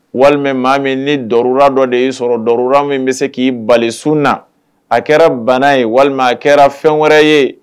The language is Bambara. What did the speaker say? Walima maa min ni dɔula dɔ de y'i sɔrɔ dɔula min bɛ se k'i balis na a kɛra bana ye walima a kɛra fɛn wɛrɛ ye